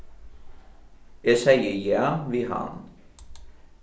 eg segði ja við hann